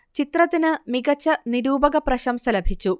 ചിത്രത്തിന് മികച്ച നിരൂപക പ്രശംസ ലഭിച്ചു